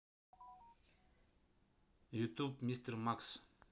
ютуб мистер макс